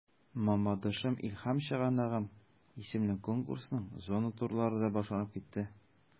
“мамадышым–илһам чыганагым” исемле конкурсның зона турлары да башланып китте.